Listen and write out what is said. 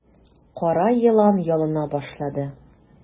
Кара елан ялына башлады.